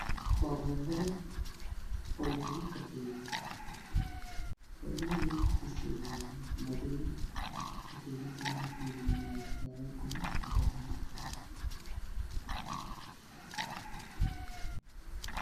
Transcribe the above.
Waa boonbalo waxaa kujiro katiin. Boonbaluhu waa madow katiinad kalarkeedu waa dahabi.